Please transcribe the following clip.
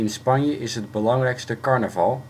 Spanje is het belangrijkste carnaval